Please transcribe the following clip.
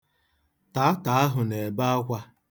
Taata ahụ na-ebe akwa.